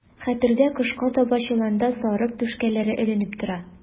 Хәтердә, кышка таба чоланда сарык түшкәләре эленеп тора.